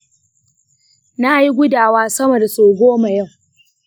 nayi gudawa sama da sau goma yau.